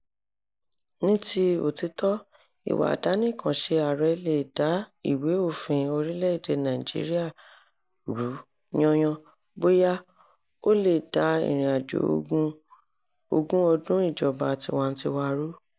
Ní ti òtítọ́, ìwà àdánìkanṣe ààrẹ lè da ìwé òfin orílẹ̀-èdè Nàìjíríà rú yányán, bóyá, ó lè da ìrìnàjò ogún ọdún ìjọba tiwantiwa rú.